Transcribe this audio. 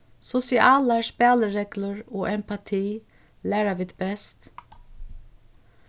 sosialar spælireglur og empati læra vit best